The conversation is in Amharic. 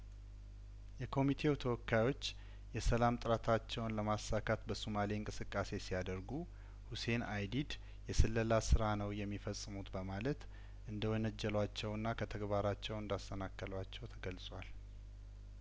የኮሚቴው ተወካዮች የሰላም ጥረታቸውን ለማሳካት በሱማሌ እንቅስቃሴ ሲያደርጉ ሁሴን አይዲድ የስለላ ስራ ነው የሚፈጽሙት በማለት እንደወነጀ ሏቸውና ከተግባራቸው እንዳሰናከሏቸው ተገልጿል